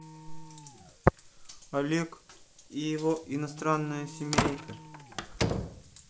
олег и его иностранная семейка